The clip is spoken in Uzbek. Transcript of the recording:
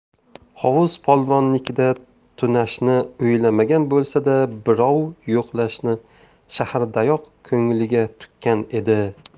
hovuz polvonnikida tunashni o'ylamagan bo'lsa da birrov yo'qlashni shahardayoq ko'ngliga tukkan edi